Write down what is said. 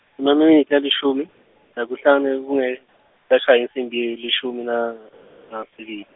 Emaminitsi lalishumi naku hlanu kungakashayi insimbi yelishumi na, nasibili.